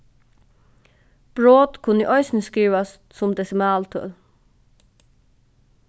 brot kunnu eisini skrivast sum desimaltøl